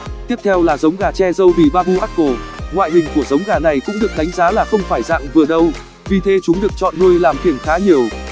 tiếp theo là giống gà tre râu bỉ barbu d'uccle ngoại hình của giống gà này cũng được đánh giá là không phải dạng vừa đâu vì thế chúng được chọn nuôi làm kiểng khá nhiều